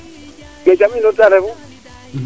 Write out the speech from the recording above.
kene inoor ta refu